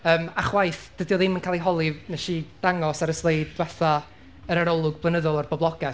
Yym a chwaith, dydy o ddim yn cael ei holi, wnes i ddangos ar y sleid diwetha yr arolwg blynyddol o'r boblogaeth.